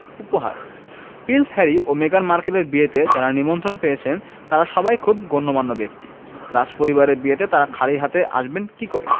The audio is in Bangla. উপহার প্রিন্স হ্যারি ও মেগান মার্কেলের বিয়েতে যাঁরা নিমন্ত্রণ পেয়েছেন তাঁরা সবাই খুব গণ্যমান্য ব্যক্তি রাজপরিবারের বিয়েতে তাঁরা খালি হাতে আসবেন কী করে